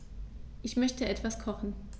Ich möchte etwas kochen.